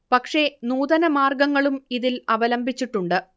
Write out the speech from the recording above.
പക്ഷേ നൂതന മാർഗങ്ങളും ഇതിൽ അവലംബിച്ചിട്ടുണ്ട്